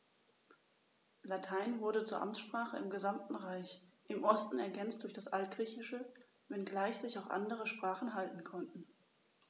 Latein wurde zur Amtssprache im gesamten Reich (im Osten ergänzt durch das Altgriechische), wenngleich sich auch andere Sprachen halten konnten.